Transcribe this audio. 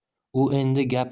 u endi gapirishga